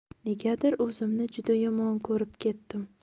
negadir o'zimni juda yomon ko'rib ketdim